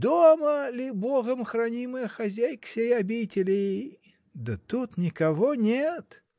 Дома ли Богом хранимая хозяйка сей обители?. Да тут никого нет!